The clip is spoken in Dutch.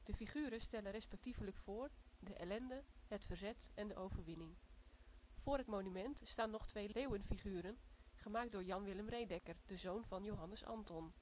figuren stellen respectievelijk voor: de ellende, het verzet en de overwinning. Voor het monument staan nog twee leeuwenfiguren gemaakt door Jan Willem Rädecker, de zoon van Johannes Anton